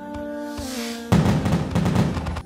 Sanunɛ